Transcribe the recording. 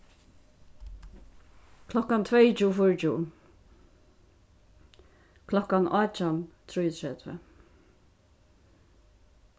klokkan tveyogtjúgu fýraogtjúgu klokkan átjan trýogtretivu